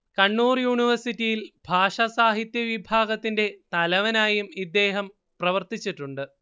കണ്ണൂർ യൂണിവേയ്സിറ്റിയിൽ ഭാഷാ സാഹിത്യവിഭാഗത്തിന്റെ തലവനായും ഇദ്ദേഹം പ്രവർത്തിച്ചിട്ടുണ്ട്